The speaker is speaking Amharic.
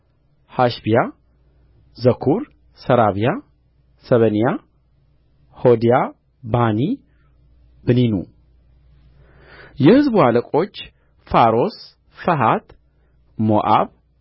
ሐሸብያ ዘኩር ሰራብያ ሰበንያ ሆዲያ ባኒ ብኒኑ የሕዝቡ አለቆች ፋሮስ ፈሐት ሞዓብ